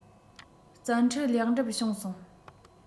བཙན ཁྲིད ལེགས འགྲུབ བྱུང སོང